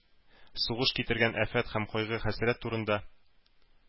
Сугыш китергән афәт һәм кайгы-хәсрәт турында